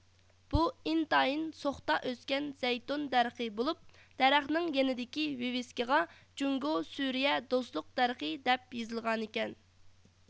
بۇ ئىنتايىن سوختا ئۆسكەن زەيتۇن دەرىخى بولۇپ دەرەخنىڭ يېنىدىكى ۋىۋىسكىغا جۇڭگو سۈرىيە دوستلۇق دەرىخى دەپ يېزىلغانىكەن